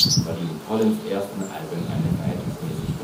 verliehen Collins ' ersten Alben eine verhältnismäßig